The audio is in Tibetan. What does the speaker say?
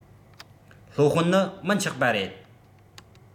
སློབ དཔོན ནི མི ཆོག པ རེད